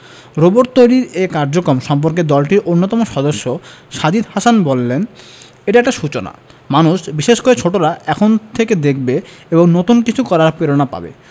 robot তৈরির এ কার্যক্রম সম্পর্কে দলটির অন্যতম সদস্য সাজিদ হাসান বললেন এটা একটা সূচনা মানুষ বিশেষ করে ছোটরা এখান থেকে দেখবে এবং নতুন কিছু করার প্রেরণা পাবে